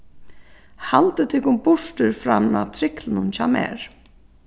haldið tykkum burtur frá matriklinum hjá mær